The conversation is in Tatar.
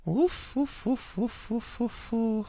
– уф-фу-фу-фу-фу-фу-фу